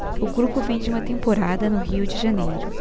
o grupo vem de uma temporada no rio de janeiro